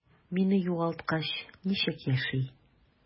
Мине югалткач, ничек яши?